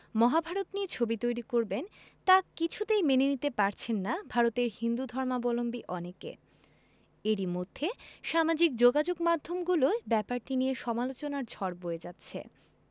মহাভারত নিয়ে ছবি তৈরি করবেন তা কিছুতেই মেনে নিতে পারছেন না ভারতের হিন্দুধর্মাবলম্বী অনেকে এরই মধ্যে সামাজিক যোগাযোগমাধ্যমগুলোয় ব্যাপারটি নিয়ে সমালোচনার ঝড় বয়ে যাচ্ছে